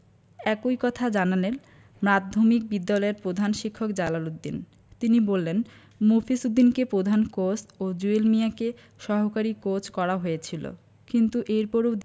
একই কথা জানালেন মাধ্যমিক বিদ্যালয়ের প্রধান শিক্ষক জালাল উদ্দিন তিনি বলেন মফিজ উদ্দিনকে পধান কোচ ও জুয়েল মিয়াকে সহকারী কোচ করা হয়েছিল কিন্তু এরপরও